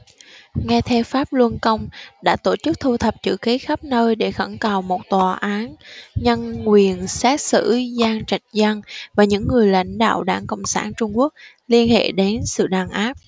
người theo pháp luân công đã tổ chức thu thập chữ ký khắp nơi để khẩn cầu một tòa án nhân quyền xét xử giang trạch dân và những lãnh đạo đảng cộng sản trung quốc liên hệ đến sự đàn áp